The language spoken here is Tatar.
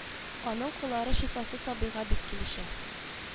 Аның куллары шифасы сабыйга бик килешә